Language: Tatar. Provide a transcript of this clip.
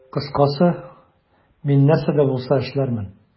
Кыскасы, мин нәрсә дә булса эшләрмен.